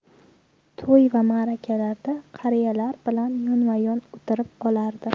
to'y va ma'rakalarda qariyalar bilan yonma yon o'tirib olardi